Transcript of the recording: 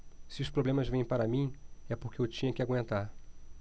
se os problemas vêm para mim é porque eu tinha que aguentar